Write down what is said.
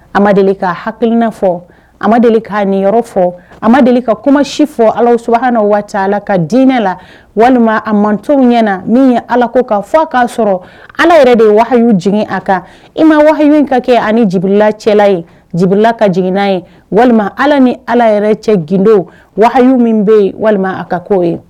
A ma deli ka hakiina fɔ a ma deli k ka niyɔrɔ fɔ a ma deli ka kumasi fɔ ala su na waati ala ka dinɛ la walima a manto ɲɛ na min ye ala ko ka fɔ k'a sɔrɔ ala yɛrɛ de ye wahiyi jigin a kan i ma wahidu ka kɛ anila cɛla yela ka jigininaa ye walima ala ni ala yɛrɛ cɛ gdo wahiyi min bɛ yen walima a ka koo ye